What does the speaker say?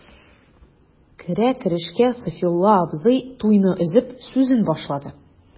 Керә-керешкә Сафиулла абзый, туйны өзеп, сүзен башлады.